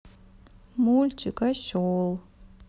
мультик осел